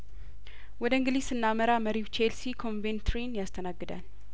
ወደ እንግሊዝ ስና መራ መሪው ቼልሲ ኮንቬን ትሪን ያስተናግዳል